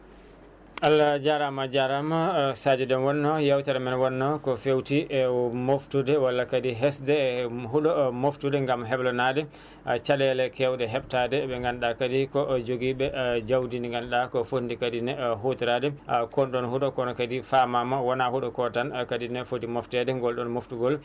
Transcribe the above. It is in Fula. Allah jarama a jarama Sadio Déme wonno yewtere men wonno ko fewti e moftude walla kadi heesde huuɗo moftude gaam heblanade caɗele kewɗe hebtade ɓe ganduɗa kadi ko jogiiɓe jawdi ndi ganduɗa ko fonndi kadine hutorade a kon ɗon huuɗo kono kadi famama wona huuɗo ko tan kadi ne footi moftede ngol ɗon moftugol